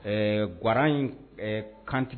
Ɛɛ ga in kante